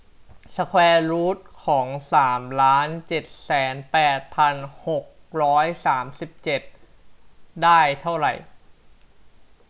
สแควร์รูทของสามล้านเจ็ดแสนแปดพันหกร้อยสามสิบเจ็ดได้เท่าไหร่